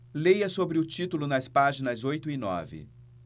leia sobre o título nas páginas oito e nove